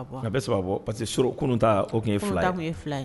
Ka bɛ saba bɔ parce que s kunun ta o tun ye fila fila ye